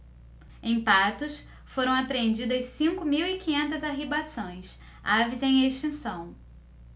em patos foram apreendidas cinco mil e quinhentas arribaçãs aves em extinção